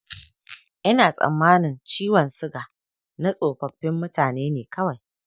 ina tsammanin ciwon suga na tsofaffin mutane ne kawai.